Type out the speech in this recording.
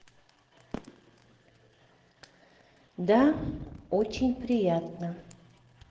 да очень приятно